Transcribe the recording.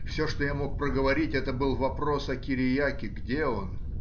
Все, что я мог проговорить, это был вопрос о Кириаке — где он?